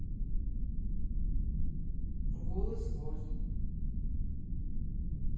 голый спорт